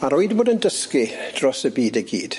A rwy 'd' bod yn dysgu dros y byd i gyd.